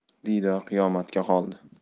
diydor qiyomatga qoldi